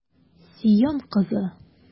Сион кызы!